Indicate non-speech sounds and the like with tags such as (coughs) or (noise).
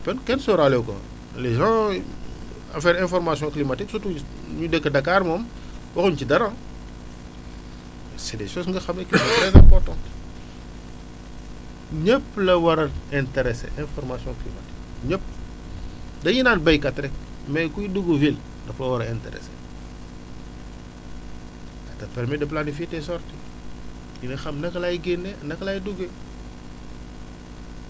kenn sóoraale wu ko woon les gens affaire information climatique surtout ñi dëkk Dakar moom waxuñ ci dara c' est des choses yi nga xam ne (coughs) que c' est très important ñëpp la war a interesser information climatique ñëpp (breath) dañuy naan béykat rek mais kuy dugg ville da koo war a intéresser ça te permet de clarifier tes sorties di nga xam naka laay génnee naka laay duggee